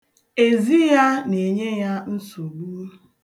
Ezi ya na-enye ya nsogbu.